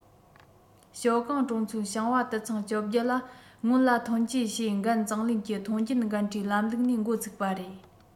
ཞའོ ཀང གྲོང ཚོའི ཞིང པ དུད ཚང བཅོ བརྒྱད ལ སྔོན ལ ཐོན སྐྱེད བྱེད འགན གཙང ལེན གྱི ཐོན སྐྱེད འགན འཁྲིའི ལམ ལུགས ནས འགོ ཚུགས པ རེད